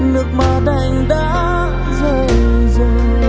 nước mắt anh đã rơi rồi